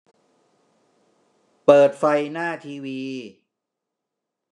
เปิดไฟหน้าทีวี